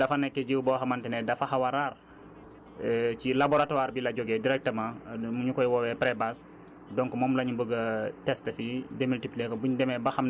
parce que dafa nekk jiwu boo xamante ne dafa xaw a rare ci laboratoir bi la jógee directement ñu koy woowee pré base donc moom lañu bëgg a tester fii démultiplier ko